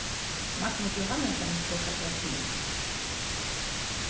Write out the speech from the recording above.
magnus johannesen tosar brasilskt